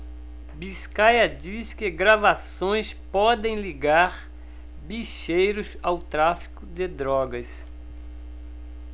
biscaia diz que gravações podem ligar bicheiros ao tráfico de drogas